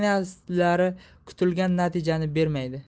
kampaniyalar kutilgan natijani bermaydi